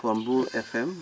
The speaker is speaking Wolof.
kon Mbour FM